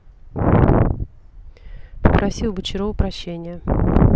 попроси у бочарова прощения